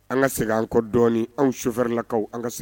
An ka segin an kɔ dɔɔnin anw sufɛɛrɛ lakaw an ka segin